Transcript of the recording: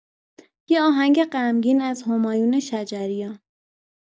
یه آهنگ غمگین از همایون شجریان